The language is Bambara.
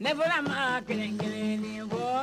Ne fɔra ma kelen kelen ne